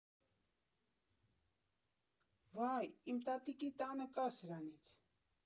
Վա՜յ, իմ տատիկի տանը կա սրանից։